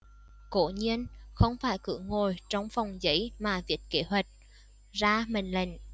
cố nhiên không phải cứ ngồi trong phòng giấy mà viết kế hoạch ra mệnh lệnh